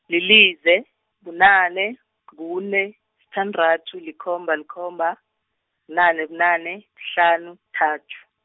lilize, bunane, kune, sithandathu, likhomba likhomba, kunane kunane, kuhlanu kuthathu.